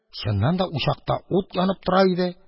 Чыннан да, учакта ут янып тора иде.